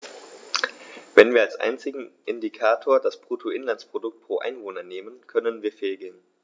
Wenn wir als einzigen Indikator das Bruttoinlandsprodukt pro Einwohner nehmen, können wir fehlgehen.